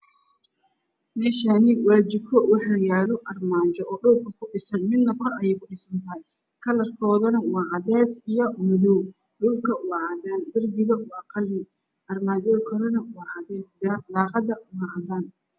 Meeshaan waa jiko waxaa yaalo armaajo oo midna kor kudhisan midna hoos ayay kudhisan tahay kalarkeedu waa cadeys iyo madow. Dhulkana waa cadaan darbiguna Waa qalin. Armaajada waa kore waa cadeys, daaqadu waa cadaan.